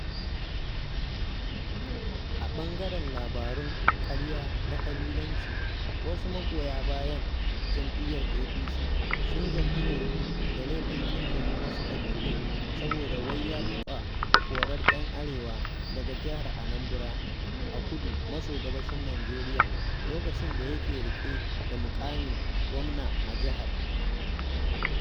A ɓangaren labarun ƙarya na ƙabilanci, wasu magoya bayan jam'iyyar APC sun zargi Obi da laifin ƙin jinin wasu ƙabilun saboda wai ya taɓa korar 'yan arewa daga jihar Anambra a kudu maso gabashin Nijeriya lokacin da yake riƙe da muƙamin gwamna a jihar.